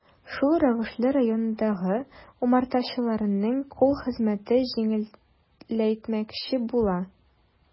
Шул рәвешле районындагы умартачыларның кул хезмәтен җиңеләйтмәкче була.